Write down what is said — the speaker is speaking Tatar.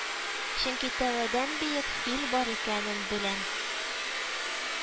Чөнки тәвәдән биек фил бар икәнен беләм